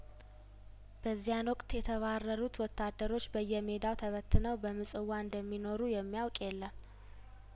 በዚያን ወቅት የተባረሩት ወታደሮች በየሜዳው ተበት ነው በምጽዋ እንደሚኖሩ የሚያውቅ የለም